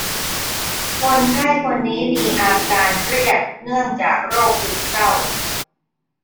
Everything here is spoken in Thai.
คนไข้คนนี้มีอาการเครียดเนื่องจากโรคซึมเศร้า